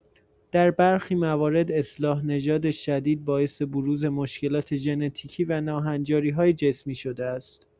در برخی موارد، اصلاح نژاد شدید باعث بروز مشکلات ژنتیکی و ناهنجاری‌های جسمی شده است.